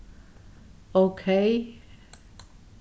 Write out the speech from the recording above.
ókey